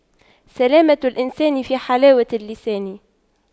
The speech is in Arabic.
سلامة الإنسان في حلاوة اللسان